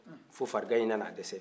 fo fariganyin na na a dɛsɛ